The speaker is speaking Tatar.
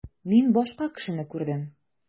Мин башка кешене күрдем.